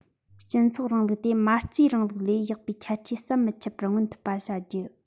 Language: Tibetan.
སྤྱི ཚོགས རིང ལུགས དེ མ རྩའི རིང ལུགས ལས ཡག པའི ཁྱད ཆོས ཟམ མི ཆད པར མངོན ཐུབ པ བྱ རྒྱུ